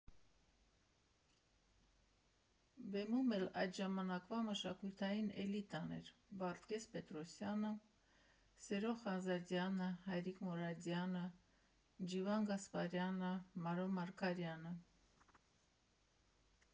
Բեմում էլ այդ ժամանակվա մշակութային էլիտան էր՝ Վարդգես Պետրոսյանը, Սերո Խանզադյանը, Հայրիկ Մուրադյանը, Ջիվան Գասպարյանը, Մարո Մարգարյանը։